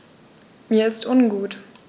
Mir ist ungut.